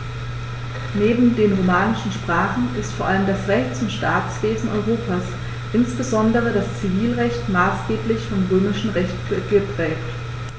Neben den romanischen Sprachen ist vor allem das Rechts- und Staatswesen Europas, insbesondere das Zivilrecht, maßgeblich vom Römischen Recht geprägt.